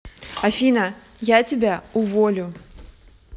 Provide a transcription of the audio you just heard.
афина я тебя уволю